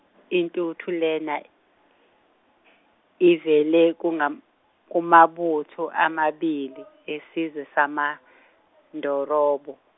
intuthu lena, ivele kumam- kumabutho amabili esizwe samaNdorobo.